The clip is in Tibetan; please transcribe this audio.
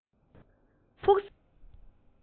ཕུགས བསམ གཅིག ཡོད དེ